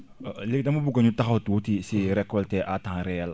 léegi dama bugg ñu taxaw tuuti si récolter à temps réel